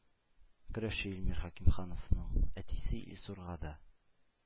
Көрәшче илмир хәкимхановның әтисе илсурга да